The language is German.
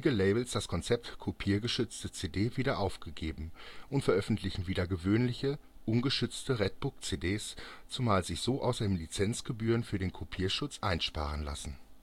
Labels das Konzept " kopiergeschützte CD " wieder aufgegeben und veröffentlichen wieder gewöhnliche, ungeschützte Red-Book-CDs, zumal sich so außerdem Lizenzgebühren für den Kopierschutz einsparen lassen